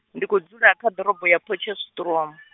ndi khou dzula kha ḓorobo ya Potchefstroom.